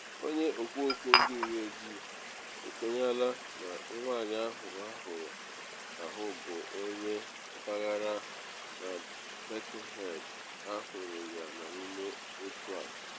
Onye okwu okwu ndị uwe ojii ekwenyela na nwanyị ahụ ahụrụ ahụ bụ onye mpaghara na Birkenhead, ahụrụ ya n’ime otu akụ.